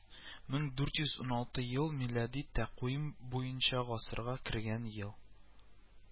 Мең дүрт йөз уналты ел милади тәкъвим буенча гасырга кергән ел